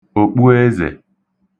òkpuezè